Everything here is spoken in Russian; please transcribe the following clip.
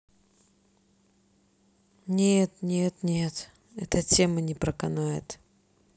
нет нет нет эта тема не проканает